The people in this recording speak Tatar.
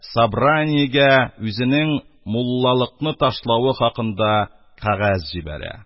Собраниегә үзенең «муллалыкны ташлавы» хакында кәгазь җибәрә